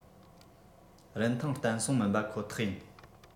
རིན ཐང བརྟན སྲུང མིན པ ཁོ ཐག ཡིན